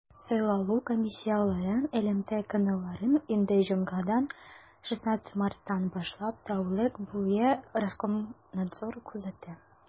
Сайлау комиссияләрен элемтә каналларын инде җомгадан, 16 марттан башлап, тәүлек буе Роскомнадзор күзәтә.